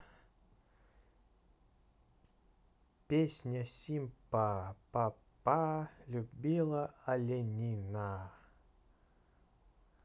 песня симпа па па любила оленина